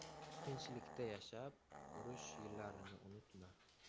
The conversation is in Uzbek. tinchlikda yashab urush yillarini unutma